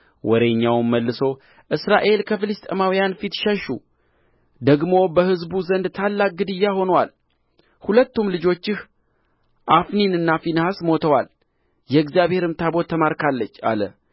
ወሬኛውም መልሶ እስራኤል ከፍልስጥኤማውያን ፊት ሸሹ ደግሞ በሕዝቡ ዘንድ ታላቅ ግድያ ሆኖአል ሁለቱም ልጆችህ አፍኒንና ፊንሐስ ሞተዋል የእግዚአብሔርም ታቦት ተማርካለች አለ